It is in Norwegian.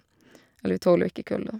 Eller vi tåler jo ikke kulde.